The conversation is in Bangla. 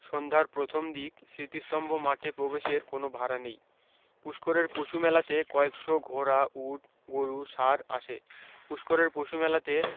সন্ধ্যার প্রথম দিক স্মৃতিস্তম্ভ মাঠে প্রবেশের কোনো ভাড়া নেই পুস্করের পশু মেলাতে কয়েকশ ঘোড়া উট গোরু ষাড় আসে পুস্করের পশু মেলাতে